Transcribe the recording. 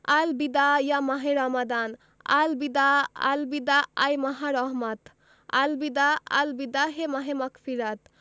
আল বিদা ইয়া মাহে রমাদান আল বিদা আল বিদা আয় মাহে রহমাত আল বিদা আল বিদা হে মাহে মাগফিরাত